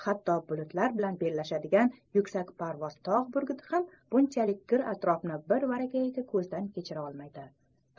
hatto bulutlar bilan bellashadigan yuksakparvoz tog' burguti ham bunchalik gir atrofni birvarakayiga ko'zdan kechira olmaydi